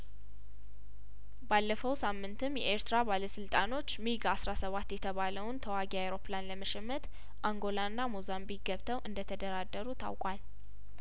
ባለፈው ሳምንትም የኤርትራ ባለስልጣኖች ሚግ አስራ ስባት የተባለውን ተዋጊ አይሮፕላን ለመሸመት አንጐላና ሞዛምቢክ ገብተው እንደተደራደሩ ታውቋል